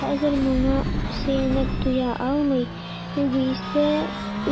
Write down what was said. Хәзер моңа сөенеп туя алмыйм, югыйсә